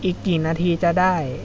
อีกกี่นาทีจะได้